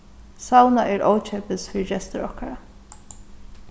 sauna er ókeypis fyri gestir okkara